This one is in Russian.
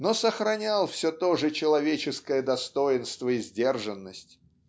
но сохранял все то же человеческое достоинство и сдержанность.